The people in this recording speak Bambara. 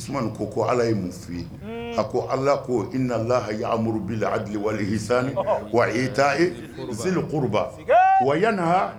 Usmane ko Ala ye mun f'i ye a ko